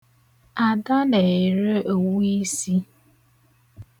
Ada na-ere owu isi.